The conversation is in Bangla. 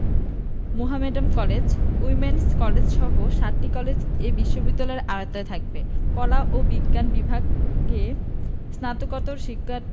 মোহামেডান কলেজ উইমেন্স কলেজসহ সাতটি কলেজ এ বিশ্ববিদ্যালয়ের আওতায় থাকবে কলা ও বিজ্ঞান বিভাগে স্নাতকোত্তর শিক্ষা